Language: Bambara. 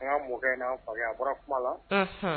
An mɔ a bɔra kuma la